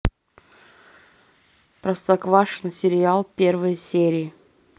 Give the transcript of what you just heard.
простоквашино сериал первые серии